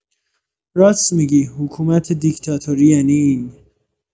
راست می‌گی حکومت دیکتاتوری یعنی این